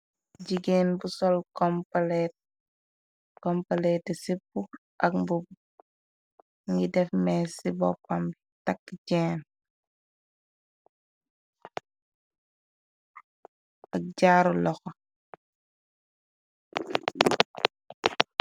Jigéen bu sol kompalete sipp ak mbumbu ngi def mees ci boppam bi takk jeen ak jaaru loxo.